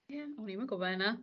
Ie. O'n i 'im yn gwbo ynna.